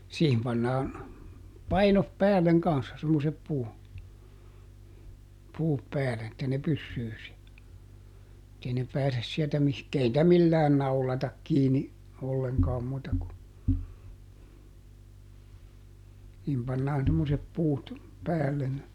siihen pannaan painot päälle kanssa semmoiset - puut päälle että ne pysyy siellä että ei ne pääse sieltä - ei niitä millään naulata kiinni ollenkaan muuta kuin niihin pannaan semmoiset puut päälle